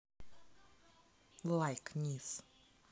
лайк низ